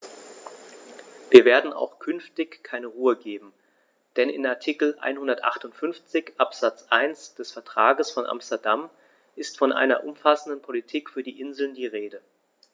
Wir werden auch künftig keine Ruhe geben, denn in Artikel 158 Absatz 1 des Vertrages von Amsterdam ist von einer umfassenden Politik für die Inseln die Rede.